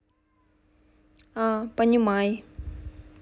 а понимай